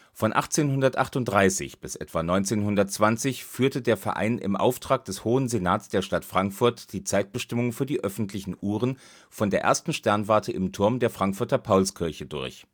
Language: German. Von 1838 bis etwa 1920 führte der Verein im Auftrag des Hohen Senats der Stadt Frankfurt die Zeitbestimmung für die öffentlichen Uhren von der ersten Sternwarte im Turm der Frankfurter Paulskirche durch